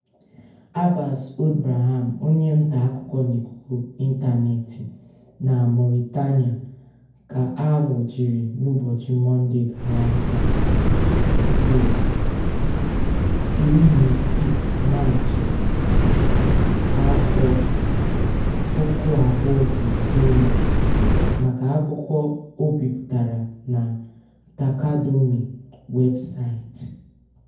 Abbass Ould Braham, onye ntaakụkọ n'ikuku ịntanetị na Mauritania ka a nwụchiri n'ụbọchị Monde gara aga bụ 16 Maachị 2009, maka akwụkwọ o bipụtara na Taqadoumy Websait.